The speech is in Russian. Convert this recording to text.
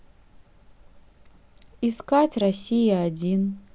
искать россия один